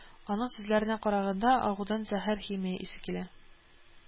Аның сүзләренә караганда, агудан зәһәр химия исе килә